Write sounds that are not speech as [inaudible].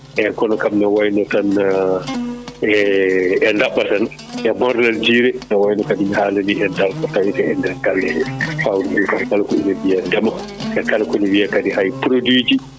e kono kam ne wayno tan [hesitation] e e daɓɓa tan e ɓorlal jeeri ene wayno kadi mi halani en dal ko tawate e nder galle he fawru ndu kadi kala ko ina wiye ndema e kala kono wiye kadi hay produit ji